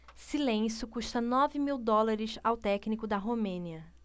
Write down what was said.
silêncio custa nove mil dólares ao técnico da romênia